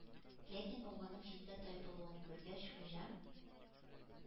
Ләкин угының читкә тайпылуын күргәч, Хуҗа: